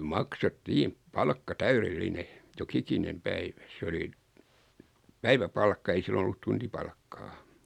maksettiin palkka täydellinen joka ikinen päivä se oli päiväpalkka ei silloin ollut tuntipalkkaa